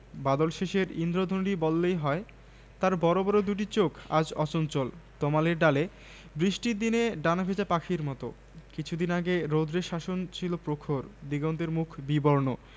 কাগজের নৌকো নিয়ে তার ভাই তার হাত ধরে টানলে সে হাত ছিনিয়ে নিলে তবু তার ভাই খেলার জন্যে টানাটানি করতে লাগলে তাকে এক থাপ্পড় বসিয়ে দিলে